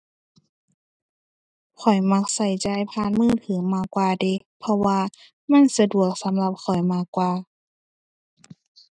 ข้อยมักใช้จ่ายผ่านมือถือมากกว่าเดะ เพราะว่ามันสะดวกสำหรับข้อยมากกว่า